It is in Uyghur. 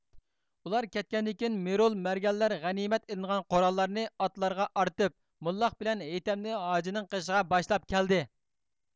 ئۇلار كەتكەندىن كېيىن مىرۇل مەرگەنلەر غەنىيمەت ئېلىنغان قوراللارنى ئاتلارغا ئارتىپ موللاق بىلەن ھېيتەمنى ھاجىنىڭ قېشىغا باشلاپ كەلدى